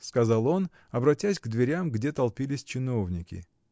— сказал он, обратясь к дверям, где толпились чиновники.